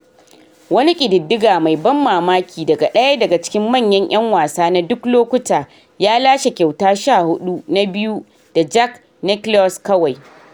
Wani kididdiga mai ban mamaki daga daya daga cikin manyan 'yan wasa na duk lokuta, ya lashe kyauta 14 na biyu da Jack Nicklaus kawai.